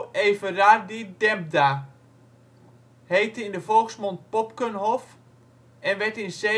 Everardi d'Embda, heette in de volksmond Popkenhof en werd 1739